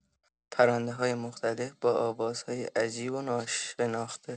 پرنده‌های مختلف با آوازهای عجیب و ناشناخته